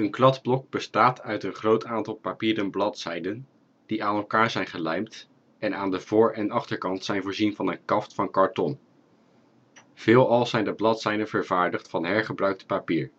kladblok bestaat uit een groot aantal papieren bladzijden die aan elkaar zijn gelijmd en aan de voor - en achterkant zijn voorzien van een kaft van karton. Veelal zijn de bladzijden vervaardigd van hergebruikt papier